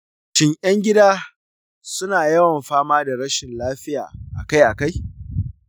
shin ‘yan gida suna yawan fama da rashin lafiya akai-akai?